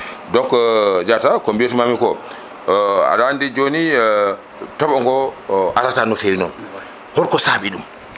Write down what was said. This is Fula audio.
donc Diatta ko mbiyat mami ko aɗa andi joni tooɓo ngo arata no fewi noon holko saabi ɗum